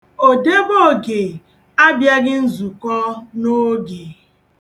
Odebooge abịaghị nzukọ n'oge.